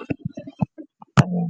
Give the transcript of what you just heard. Li panjeh